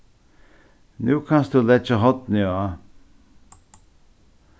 nú kanst tú leggja hornið á